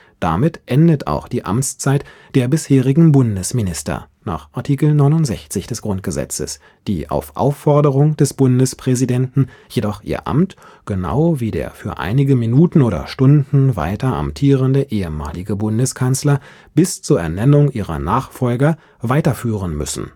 Damit endet auch die Amtszeit der bisherigen Bundesminister (Art. 69 GG), die auf Aufforderung des Bundespräsidenten jedoch ihr Amt – genau wie der für einige Minuten oder Stunden weiter amtierende ehemalige Bundeskanzler – bis zur Ernennung ihrer Nachfolger weiterführen müssen